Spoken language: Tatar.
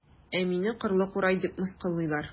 Ә мине кырлы курай дип мыскыллыйлар.